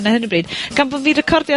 ...ar hyn o bryd, gan bo' fi'n recordio'r...